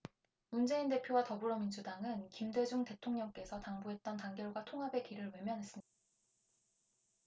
문재인 대표와 더불어민주당은 김대중 대통령께서 당부했던 단결과 통합의 길을 외면했습니다